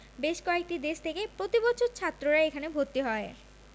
বেশ কয়েকটি দেশ থেকে প্রতি বছর ছাত্ররা এখানে ভর্তি হয়